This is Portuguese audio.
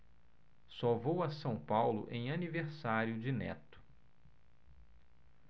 só vou a são paulo em aniversário de neto